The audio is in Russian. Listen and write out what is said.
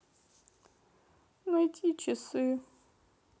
найти часы